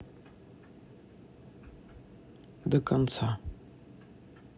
до конца